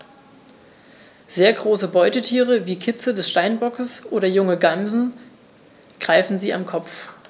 Sehr große Beutetiere wie Kitze des Steinbocks oder junge Gämsen greifen sie am Kopf.